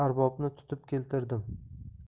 arbobni tutib keltirdim